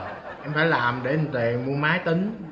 em phải làm để dằn tiềng mua máy tứn